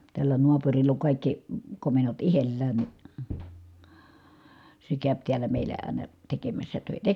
tällä naapurilla on kaikki komennot itsellään niin se käy täällä meillä aina tekemässä töitä